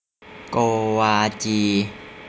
โกวาจี